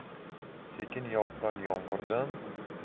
sekin yoqqan yomg'irdan